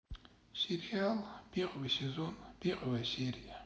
сериал первый сезон первая серия